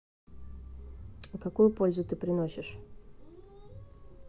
а какую пользу ты приносишь